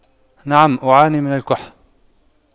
نعم أعاني من الكح